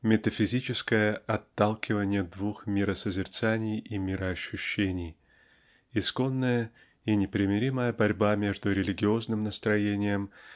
метафизическое отталкивание двух миросозерцании и мироощущении -- исконная и непримиримая борьба между религиозным настроением